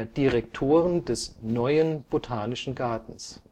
Direktoren des „ neuen “Botanischen Gartens